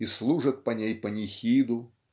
и служат по ней панихиду.